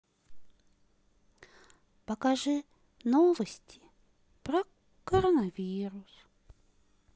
покажи новости про коронавирус